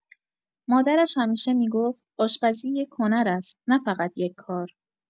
مادرش همیشه می‌گفت: آشپزی یک هنر است، نه‌فقط یک کار.